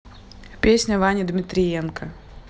песня вани дмитриенко